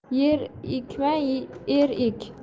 yer ekma er ek